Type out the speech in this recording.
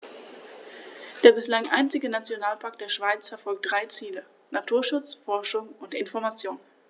Der bislang einzige Nationalpark der Schweiz verfolgt drei Ziele: Naturschutz, Forschung und Information.